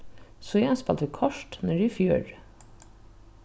síðan spældu vit kort niðri í fjøru